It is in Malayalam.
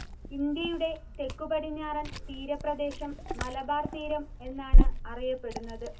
ഇന്ത്യയുടെ തെക്കുപടിഞ്ഞാറൻ തീരപ്രദേശം മലബാർ തീരം എന്നാണ് അറിയപ്പെടുന്നത്